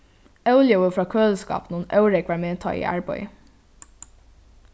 óljóðið frá køliskápinum órógvar meg tá ið eg arbeiði